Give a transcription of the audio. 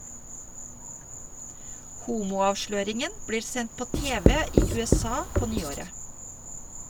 Homo-avsløringen blir sendt på TV i USA på nyåret.